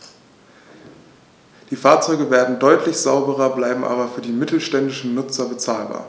Die Fahrzeuge werden deutlich sauberer, bleiben aber für die mittelständischen Nutzer bezahlbar.